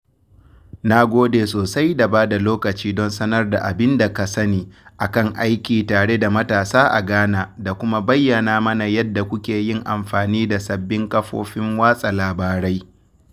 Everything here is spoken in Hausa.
Na gode sosai da bada lokaci don sanar da abin da ka sani akan aiki tare da matasa a Ghana da kuma bayyana mana yadda kuke yin amfani da sabbin kafofin watsa labarai.